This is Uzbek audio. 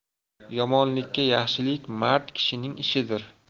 yomonlikka yaxshilik mard kishining ishidir